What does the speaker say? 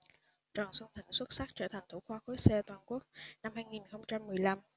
trần xuân thịnh xuất sắc trở thành thủ khoa khối c toàn quốc năm hai nghìn không trăm mười lăm